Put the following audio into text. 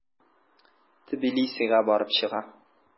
Тбилисига барып чыга.